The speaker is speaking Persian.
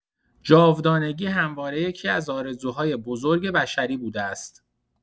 جاودانگی همواره یکی‌از آرزوهای بزرگ بشری بوده است.